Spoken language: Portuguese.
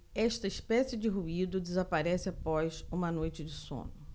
esta espécie de ruído desaparece após uma noite de sono